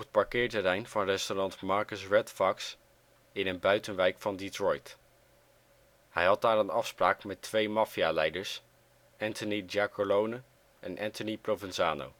parkeerterrein van restaurant Machus Red Fox in een buitenwijk van Detroit. Hij had daar een afspraak met twee maffialeiders, Anthony Giacolone en Anthony Provenzano